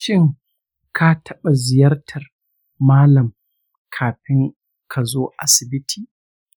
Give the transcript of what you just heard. shin ka taɓa ziyartar mallam kafin ka zo asibiti?